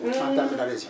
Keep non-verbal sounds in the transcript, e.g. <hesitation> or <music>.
<hesitation> et carte d' adhesion